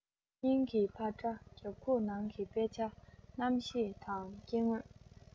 སྙིང གི འཕར སྒྲ རྒྱབ ཁུག ནང གི དཔེ ཆ གནམ གཤིས དང སྐྱེ དངོས